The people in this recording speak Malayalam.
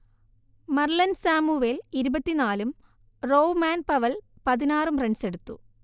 മർലൻ സാമുവേൽ ഇരുപതിനാലും റോവ്മാൻ പവൽ പതിനാറും റൺസെടുത്തു